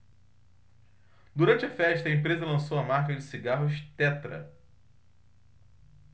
durante a festa a empresa lançou a marca de cigarros tetra